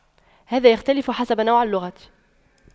هذا يختلف حسب نوع اللغة